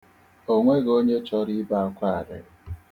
O nweghị onye chọrọ ibe akwa arịrị.